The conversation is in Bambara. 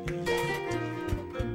Nse